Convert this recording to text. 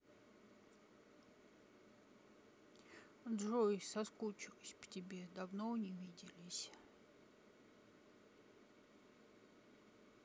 джой соскучилась по тебе давно не виделись